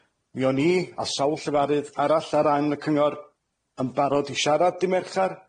Mi o'n i a sawl llefarydd arall ar ran y cyngor yn barod i siarad i dy' Merchar.